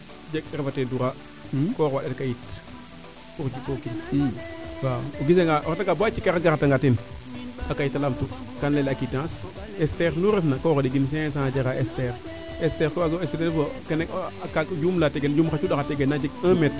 jeg refate droit ko waro waanda cayit pour jikookin waw o reta nga bo a jikax a garat na ten a kayta lamtu kan leyele a quittance stair nu refna ko waro ɗegin cinq cent jara stair stair koy wagino expliauer in fo njuum xa cuund jum la tegena a jeg un metre